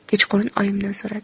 kechqurun oyimdan so'radi